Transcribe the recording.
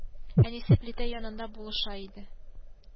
Авыл халкы бу вакыйганы бик озак оныта алмады.